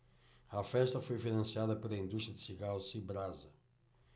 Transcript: a festa foi financiada pela indústria de cigarros cibrasa